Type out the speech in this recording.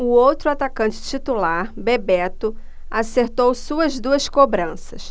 o outro atacante titular bebeto acertou suas duas cobranças